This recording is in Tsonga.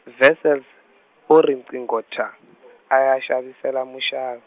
Wessels, o riqingho thyaa, a ya xavisela muxav-.